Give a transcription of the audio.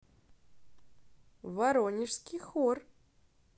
воронежский хор